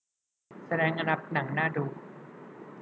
แสดงอันดับหนังน่าดู